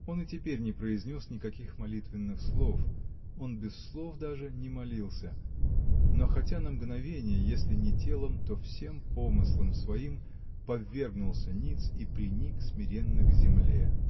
он и теперь не произнес никаких молитвенных слов, -- он без слов даже не молился, -- но хотя на мгновенье если не телом, то всем помыслом своим повергнулся ниц и приник смиренно к земле.